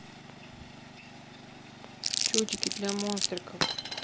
чудики для монстриков